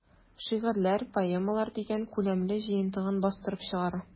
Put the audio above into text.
"шигырьләр, поэмалар” дигән күләмле җыентыгын бастырып чыгара.